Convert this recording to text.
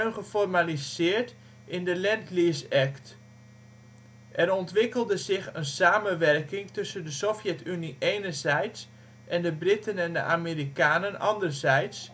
geformaliseerd in de Lend-Lease Act. Er ontwikkelde zich een samenwerking tussen de Sovjet-Unie enerzijds en de Britten en Amerikanen anderzijds